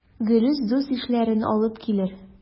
Гелүс дус-ишләрен алып килер.